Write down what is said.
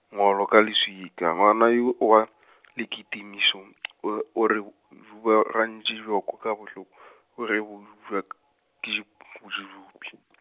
ngolo ka leswika, ngwana yo o wa , Lekitimose o, o re dubagantše hloko ka bohloko , go re dubja ka, ke modupi.